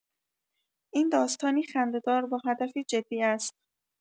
این داستانی خنده‌دار با هدفی جدی است.